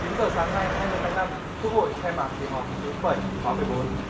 chín giờ sáng nay hai mươi tháng năm quốc hội khai mạc kỳ họp thứ bảy khóa mười bốn